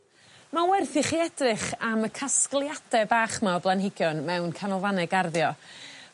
Ma'n werth i chi edrych am y casgliade bach 'ma o blanhigion mewn canolfannau garddio